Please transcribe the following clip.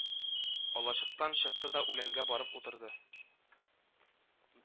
Алачыктан чыкты да үләнгә барып утырды